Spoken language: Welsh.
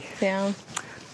Ti iawn.